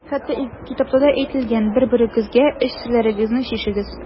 Хәтта Изге китапта да әйтелгән: «Бер-берегезгә эч серләрегезне чишегез».